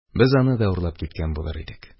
Без аны да урлап киткән булыр идек